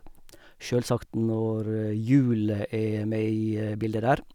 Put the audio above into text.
Sjølsagt når hjulet er med i bildet der.